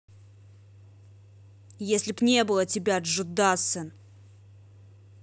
если б не было тебя джо дассен